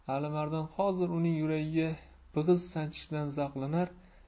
alimardon hozir uning yuragiga bigiz sanchishidan zavqlanar